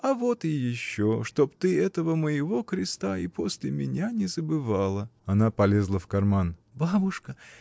— А вот и еще, чтоб ты этого моего креста и после меня не забывала. Она полезла в карман. — Бабушка!